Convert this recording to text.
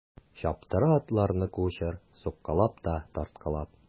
Чаптыра атларны кучер суккалап та тарткалап.